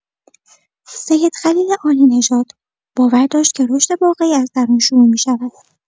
سید خلیل عالی‌نژاد باور داشت که رشد واقعی از درون شروع می‌شود.